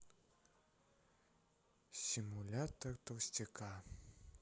симулятор толстяка